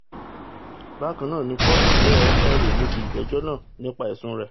Bákannáà ni Ford jẹ́ ẹ̀rí níbi ìgbẹ́jọ́ nípa ẹ̀sùn rẹ̀.